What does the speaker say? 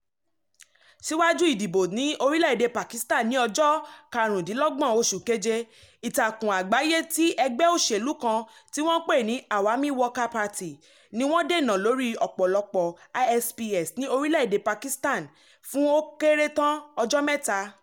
Síwájú ìdìbò ní orílẹ̀ èdè Pakistan ní ọjọ́ 25 oṣù Keje, ìtàkùn àgbáyé ti egbé òṣèlú kan tí wọn ń pè ní Awami Workers Party ní wọ́n dènà lórí ọ̀pọ̀lọpọ̀ ISPS ní orílẹ̀ èdè Pakistan fún ó kéré tán ọjọ́ mẹ́ta.